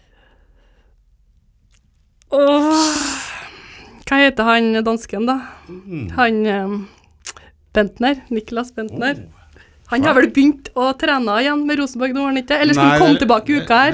å hva heter han dansken da han Bendtner Niklas Bendtner han har vel begynt å trene igjen med Rosenborg nå har han ikke det eller skulle han komme tilbake uken her?